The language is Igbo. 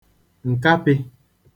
ǹkapị̄